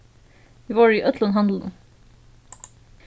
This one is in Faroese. vit vóru í øllum handlunum